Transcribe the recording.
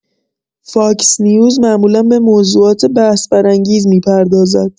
فاکس‌نیوز معمولا به موضوعات بحث‌برانگیز می‌پردازد.